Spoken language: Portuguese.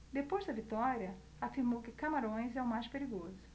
depois da vitória afirmou que camarões é o mais perigoso